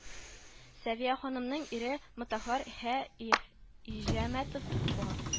Сәвия ханымның ире Мотаһар Хә иҗәмәтов Уфа